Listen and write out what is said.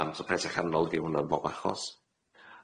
Yym so pres achanol ydi hwnna'n bob achos.